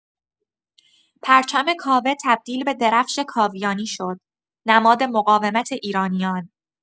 پرچم کاوه تبدیل به درفش کاویانی شد، نماد مقاومت ایرانیان.